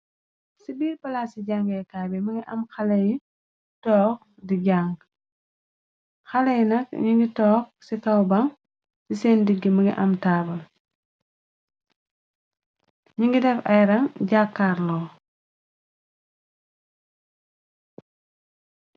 Ci biir palaas ci jàngeekaa bi mënga am xalé yi toox di jàng xaley nak ñu ngi toox ci kawbaŋ ci seen diggi mënga am taabal ñu ngi def ay ran jàakaarloo.